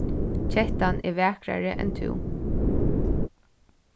kettan er vakrari enn tú